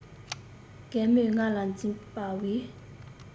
རྒན མོས ང ལ འཛིན པའི